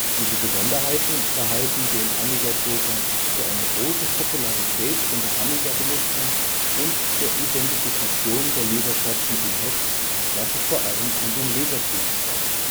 Diese Besonderheiten verhalfen dem Amiga Joker zu einer großen Popularität unter Amiga-Benutzern und zur Identifikation der Leserschaft mit dem Heft, was sich vor allem in den Leserbriefen zeigte